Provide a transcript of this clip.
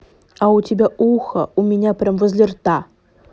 а у тебя ухо у меня прям возле рта